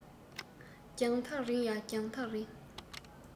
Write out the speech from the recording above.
རྒྱང ཐག རིང ཡ རྒྱང ཐག རིང